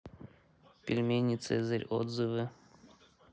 пельмени цезарь отзывы